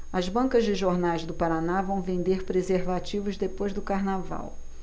as bancas de jornais do paraná vão vender preservativos depois do carnaval